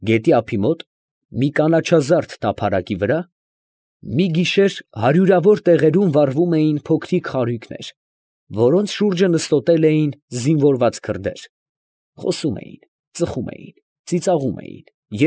Գետի ափի մոտ, մի կանաչազարդ տափարակի վրա, մի գիշեր հարյուրավոր տեղերում վառվում էին փոքրիկ խարույկներ, որոնց շուրջը նստոտել էին զինվորված քրդեր, խոսում էին, ծխում էին, ծիծաղում էին,